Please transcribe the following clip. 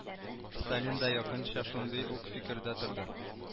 Сталин да якынча шундый ук фикердә торды